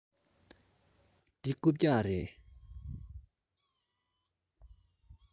འདི རྐུབ བཀྱག རེད